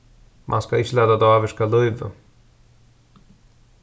mann skal ikki lata tað ávirka lívið